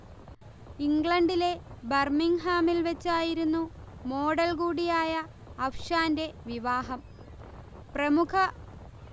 ഇംഗ്ലണ്ടിലെ ബർമിങ്ഹാമിൽ വെച്ചായിരുന്നു മോഡൽ കൂടിയായ അഫ്ഷാന്റെ വിവാഹം പ്രമുഖ